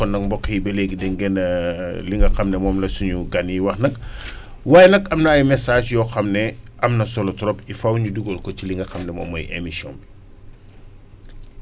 kon nag mbokk yi ba léegi dégg ngeen li nga xam ne moom la suñu gan yi wax nag waaye nag am na ay messages yoo xam ne am na solo trop te faaw ñu dugal ko ci li nga xam ne moom mooy émission bi